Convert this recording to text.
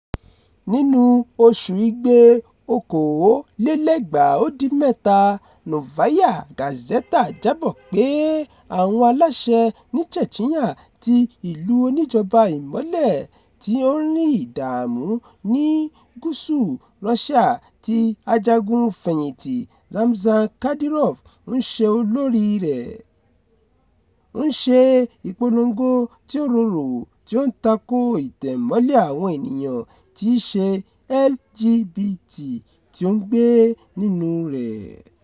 Nínú oṣù Igbe 2017, Novaya Gazeta jábọ̀ pé àwọn aláṣẹ ní Chechnya, ti ìlú oníjọba Ìmọ́lẹ̀ tí ó ń rí ìdààmú jù ní gúúsù Russia tí ajagun fẹ̀yìntì Ramzan Kadyrov, ń ṣe olóríi rẹ̀, ń ṣe ìpolongo tí ó rorò tí ó ń tako ìtẹ̀mọ́lẹ̀ àwọn ènìyàn tí í ṣe LGBT tí ó ń gbé nínúu rẹ̀.